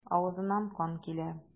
Авызыннан кан килә.